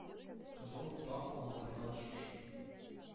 Кызыл таң алдырган, шушы